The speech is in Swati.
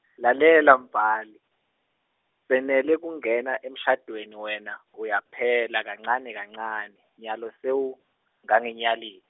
Lalela Mbali, senele kungena emshadweni wena, uyaphela, kancane kancane, nyalo sewungangenyali-.